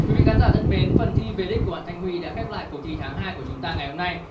quý vị khán giả thân mến phần thi về đích của bạn thanh huy đã khép lại cuộc thi tháng hai của chúng ta ngày hôm nay